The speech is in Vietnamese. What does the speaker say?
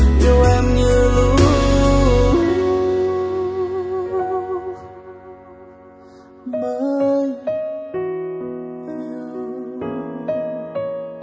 yêu em như lúc mới yêu